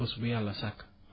bës bu Yàlla sàkk